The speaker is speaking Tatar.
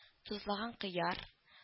- тозлаган кыяр